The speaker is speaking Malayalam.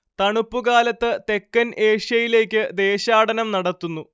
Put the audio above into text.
തണുപ്പുകാലത്ത് തെക്കൻ ഏഷ്യയിലേക്ക് ദേശാടനം നടത്തുന്നു